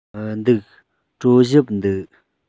མི འདུག གྲོ ཞིབ འདུག